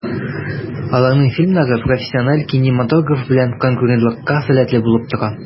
Аларның фильмнары профессиональ кинематограф белән конкурентлыкка сәләтле булып бара.